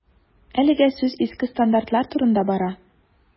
Әлегә сүз иске стандартлар турында бара.